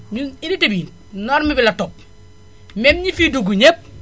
ñun unité bi norme bi la topp même ñi fiy dugg ñépp